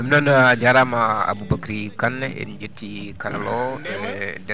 ɗum noon a jarama Aboubacry Kane en jetti karalla o e